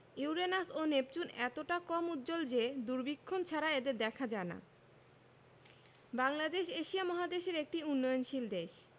Uranus ও Neptune এতটা কম উজ্জ্বল যে দূরবীক্ষণ ছাড়া এদের দেখা যায় না বাংলাদেশ এশিয়া মহাদেশের একটি উন্নয়নশীল দেশ